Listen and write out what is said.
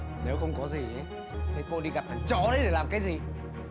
nếu không có gì ý thì cô đi gặp thằng chó đấy để làm cái gì